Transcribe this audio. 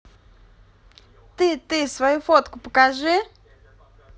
ты ты свою фотку покажи